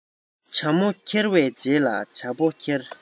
བྱ མོ ཁྱེར བའི རྗེས ལ རྟ ཕོ འཁྱེར